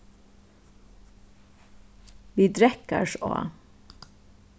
við drekkarsá